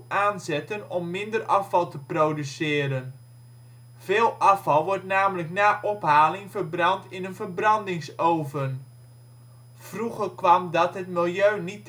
aanzetten om minder afval te produceren. Veel afval wordt namelijk na ophaling verbrand in een verbrandingsoven. Vroeger kwam dat het milieu niet